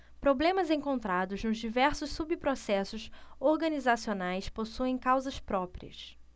problemas encontrados nos diversos subprocessos organizacionais possuem causas próprias